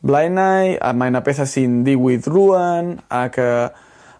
blaenau a mae 'na betha sy'n ddiwydd rŵan ac yy